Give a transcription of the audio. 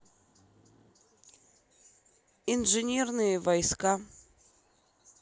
инженерные войска